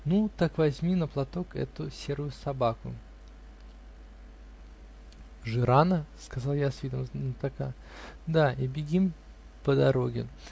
-- Ну, так возьми на платок эту серую собаку. -- Жирана? -- сказал я с видом знатока. -- Да, и беги по дороге.